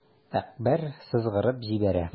Әкбәр сызгырып җибәрә.